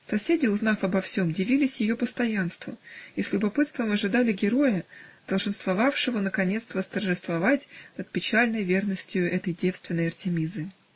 Соседи, узнав обо всем, дивились ее постоянству и с любопытством ожидали героя, долженствовавшего наконец восторжествовать над печальной верностию этой девственной Артемизы.